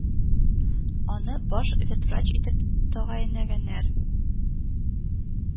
Аны баш ветврач итеп тәгаенләгәннәр